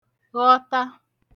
ghọta